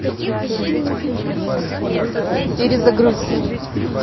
перезагрузи